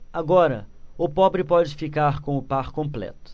agora o pobre pode ficar com o par completo